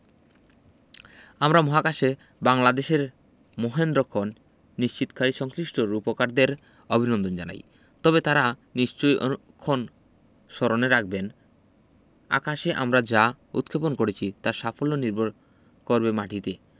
আমরা মহাকাশে বাংলাদেশের মহেন্দ্রক্ষণ নিশ্চিতকারী সংশ্লিষ্ট রূপকারদের অভিনন্দন জানাই তবে তাঁরা নিশ্চয় অনুক্ষণ স্মরণে রাখবেন আকাশে আমরা যা উৎক্ষেপণ করেছি তার সাফল্য নির্ভর করবে মাটিতে